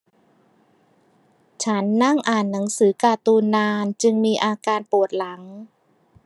ฉันนั่งอ่านหนังสือการ์ตูนนานจึงมีอาการปวดหลัง